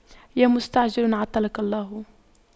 يا مستعجل عطلك الله